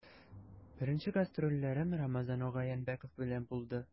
Беренче гастрольләрем Рамазан ага Янбәков белән булды.